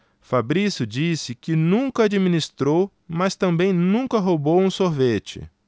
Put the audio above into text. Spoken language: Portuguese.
fabrício disse que nunca administrou mas também nunca roubou um sorvete